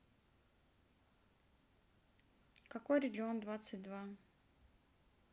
какой регион двадцать два